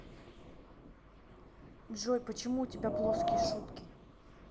джой почему у тебя плоские шутки